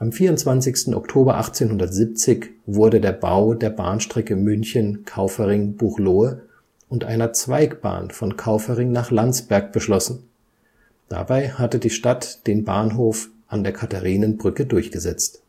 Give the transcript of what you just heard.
24. Oktober 1870 wurde der Bau der Bahnstrecke München – Kaufering – Buchloe und einer Zweigbahn von Kaufering nach Landsberg beschlossen, dabei hatte die Stadt den Bahnhof an der Katharinenbrücke durchgesetzt